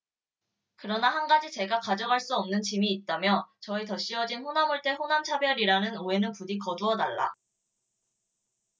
그러나 한 가지 제가 가져갈 수 없는 짐이 있다며 저에게 덧씌워진 호남홀대 호남차별이라는 오해는 부디 거두어 달라